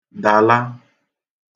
dàla